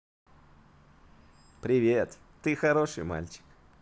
привет ты хороший мальчик